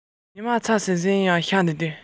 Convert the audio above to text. དེ རིང ཁ སང གི མི དེ དག གིས